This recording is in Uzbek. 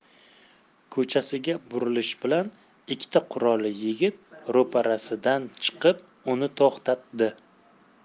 ko'chasiga burilishi bilan ikkita qurolli yigit ro'parasidan chiqib uni to'xtatdi